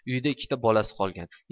uyida ikkita bolasi qolgan